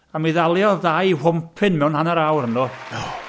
a mi ddaliodd ddau wompyn mewn hanner awr, yn do!